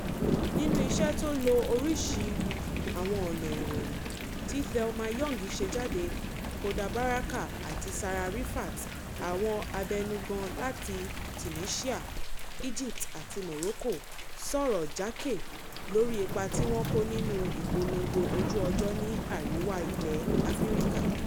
Nínú iṣẹ́ tó lo orìṣi àwọn ọ̀na ìròyìn tí 350.org’s Thelma Young ṣe jáde, Hoda Baraka àti Sarah Rifaat, àwọn abẹnugan láti Tunisia, Egypt àti Morocco sọ̀rọ̀ jákè lóri ipa tí wọ́n kó nínú ìpolongo ojú ọjọ́ ní Àríwá ilẹ̀ Áfíríkà.